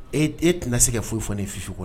E e tɛna se ka foyi fɔ ne ye Fifi ko la